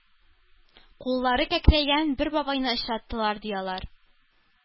Куллары кәкрәйгән бер бабайны очраттылар, ди, алар.